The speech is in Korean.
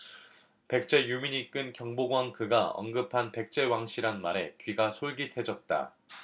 백제 유민 이끈 경복왕그가 언급한 백제왕씨란 말에 귀가 솔깃해졌다